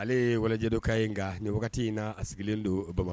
Ale ye ka ye nka nin wagati in na ale sigilen don